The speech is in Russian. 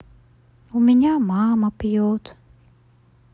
у меня мама пьет